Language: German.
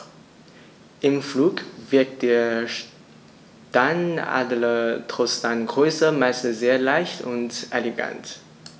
Im Flug wirkt der Steinadler trotz seiner Größe meist sehr leicht und elegant.